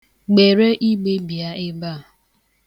Gbere igbe bịa ebe a.